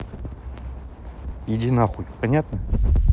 иди нахуй понятно